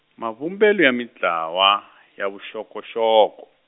mavumbelo ya mintlawa, ya vuxokoxoko.